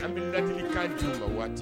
An bɛ lali k' jɔ ma waati